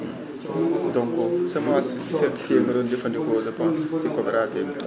donc semence certifiée nga doon jëfandikoo je pense ci coopérative bi